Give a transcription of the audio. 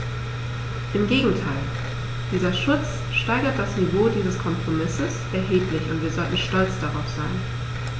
Im Gegenteil: Dieser Schutz steigert das Niveau dieses Kompromisses erheblich, und wir sollten stolz darauf sein.